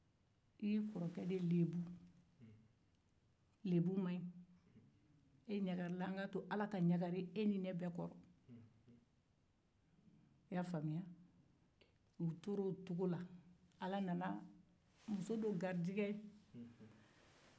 lebu man ɲi an k'a to ala ka ɲagali e ni ne bɛɛ kɔrɔ i y'a famuya u tora o cogo la muso nana garijɛgɛ